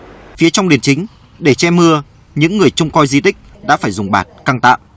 phía trong đền chính để che mưa những người trông coi di tích đã phải dùng bạt căng tạm